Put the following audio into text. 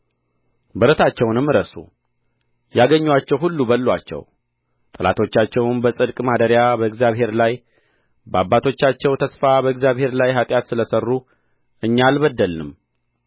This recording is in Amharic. በረታቸውንም ረሱ ያገኙአቸው ሁሉ በሉአቸው ጠላቶቻቸውም በጽድቅ ማደሪያ በእግዚአብሔር ላይ በአባቶቻቸው ተስፋ በእግዚአብሔር ላይ ኃጢአት ስለ ሠሩ እኛ አልበደልንም